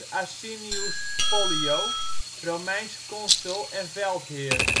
Asinius Pollio, Romeins consul en veldheer